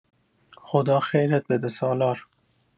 خدا خیرت بده سالار